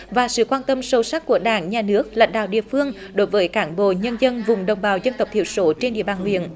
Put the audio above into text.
và sự quan tâm sâu sắc của đảng nhà nước lãnh đạo địa phương đối với cán bộ nhân dân vùng đồng bào dân tộc thiểu số trên địa bàn huyện